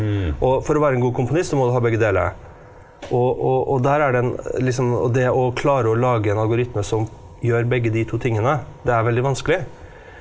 og for å være en god komponist så må du ha begge deler, og og og der er det en liksom og det å klare å lage en algoritme som gjør begge de to tingene, det er veldig vanskelig.